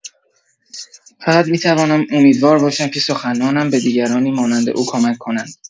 فقط می‌توانم امیدوار باشم که سخنانم به دیگرانی مانند او کمک کند.